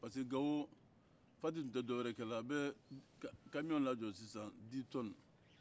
parce que gawo fati tun tɛ dɔwɛrɛ kɛla a bɛ kamiyon lajɔ sisan di tɔne